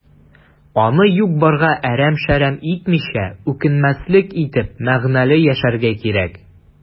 Аны юк-барга әрәм-шәрәм итмичә, үкенмәслек итеп, мәгънәле яшәргә кирәк.